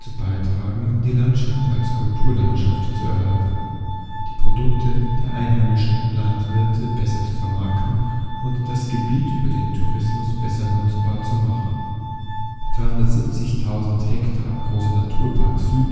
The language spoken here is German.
beitragen, die Landschaft als Kulturlandschaft zu erhalten, die Produkte der einheimischen Landwirte besser zu vermarkten und das Gebiet für den Tourismus besser nutzbar zu machen. Der 370.000 ha große Naturpark Südschwarzwald